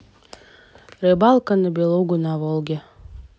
рыбалка на белугу на волге